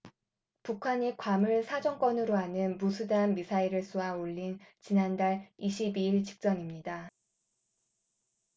북한이 괌을 사정권으로 하는 무수단 미사일을 쏘아 올린 지난달 이십 이 일 직전입니다